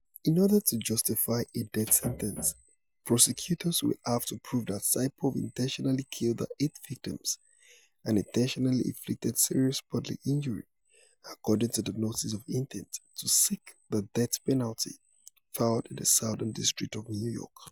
In order to justify a death sentence, prosecutors will have to prove that Saipov "intentionally" killed the eight victims and "intentionally" inflicted serious bodily injury, according to the notice of intent to seek the death penalty, filed in the Southern District of New York.